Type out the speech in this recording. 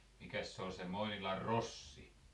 mikäs se oli se Moinilan Rossi